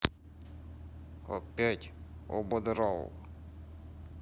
опять ободрал